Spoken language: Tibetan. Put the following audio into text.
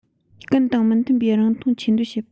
ཀུན དང མི མཐུན པའི རང མཐོང ཆེ འདོད བྱེད པ